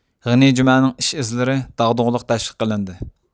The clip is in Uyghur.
غېنى جۈمەنىڭ ئىش ئىزلىرى داغدۇغىلىق تەشۋىق قىلىندى